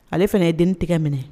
Ale fana ye denin tɛgɛ minɛ